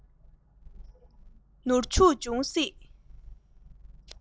ནོར འཕྱུགས འབྱུང སྲིད